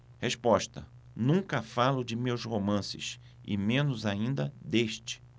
resposta nunca falo de meus romances e menos ainda deste